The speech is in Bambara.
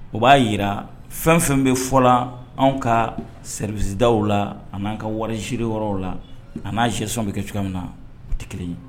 O b'a jirara fɛn fɛn bɛ fɔ la anw ka sɛrisida la ani'an ka warisisiri yɔrɔ la ani n'a sison bɛ kɛ cogoya min na o tɛ kelen ye